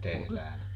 tehdään